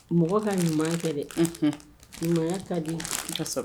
Mɔgɔ ka ɲuman kɛ dɛ ɲumanya ka di ka sɔrɔ